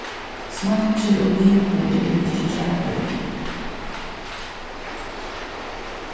smakkir og litir eru ikki kjakverdir